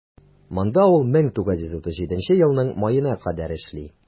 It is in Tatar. Монда ул 1937 елның маена кадәр эшли.